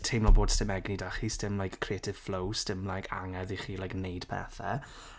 teimlo bod 'sdim egni 'da chi 'sdim like creative flow, 'sdim like angerdd i chi like wneud pethau.